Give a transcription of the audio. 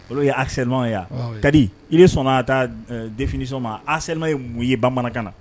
Olu ye asema ye ka di ire sɔnna a taa defsɔn ma a sema ye mun ye bamanankan na